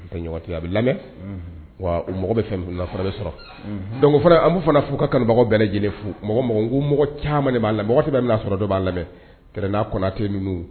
Bɛ lamɛn wa o mɔgɔ bɛ fɛn la fɔlɔ bɛ sɔrɔ fana an bɛ fana'u ka kanubagaw bɛ lajɛlen fo mɔgɔ mɔgɔ caman b'a la min sɔrɔ dɔ b'a n'a kɔnɔtɛ ninnu